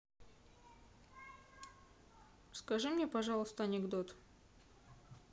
расскажи мне пожалуйста анекдот